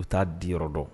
U taa diyɔrɔ dɔn